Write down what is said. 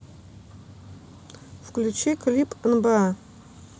включи клип нба